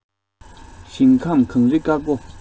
ཞིང ཁམས གངས རི དཀར པོ